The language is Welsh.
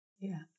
Ia.